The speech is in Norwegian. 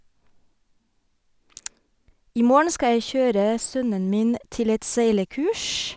I morgen skal jeg kjøre sønnen min til et seilekurs.